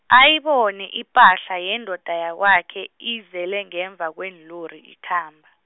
ayibone ipahla yendoda yakwakhe, izele ngemva kweenlori ikhamba.